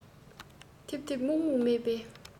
ཐིབ ཐིབ སྨུག སྨུག མེད པའི